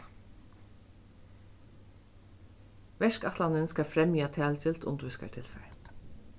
verkætlanin skal fremja talgilt undirvísingartilfar